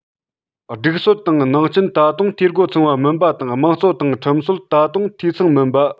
སྒྲིག སྲོལ དང ནང རྐྱེན ད དུང འཐུས སྒོ ཚང བ མིན པ དང དམངས གཙོ དང ཁྲིམས སྲོལ ད དུང འཐུས ཚང མིན པ